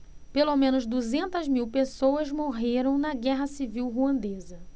pelo menos duzentas mil pessoas morreram na guerra civil ruandesa